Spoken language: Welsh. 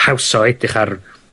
hawsa o edrych ar